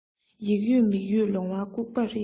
ཡིག ཡོད མིག ཡོད ལོང བ སྐུགས པ རེད